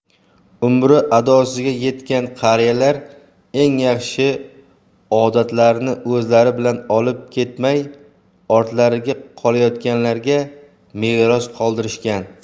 umri adosiga yetgan qariyalar eng yaxshi odatlarni o'zlari bilan olib ketmay ortlarida qolayotganlarga meros qoldirishgan